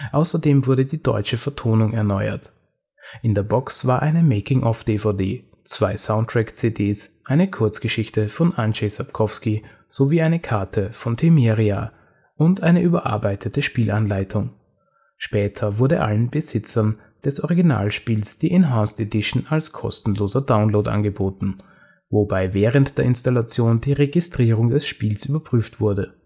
Außerdem wurde die deutsche Vertonung erneuert. In der Box war eine „ Making-of “- DVD, zwei Soundtrack-CDs, eine Kurzgeschichte von Andrzej Sapkowski sowie eine Karte von Temeria und eine überarbeitete Spielanleitung. Später wurde allen Besitzer des Originalspiels die Enhanced Edition als kostenloser Download angeboten, wobei während der Installation die Registrierung des Spiels überprüft wurde